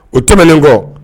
O tɛmɛnen kɔ